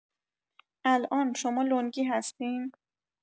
الان شما لنگی هستین؟